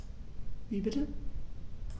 Wie bitte?